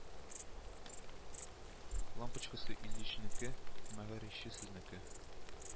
Лампочкасы Ильичнеке , мәгәриче сезнеке